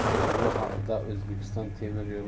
bu haqda o'zbekiston temir